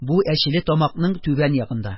Бу Әчеле тамакның түбән ягында,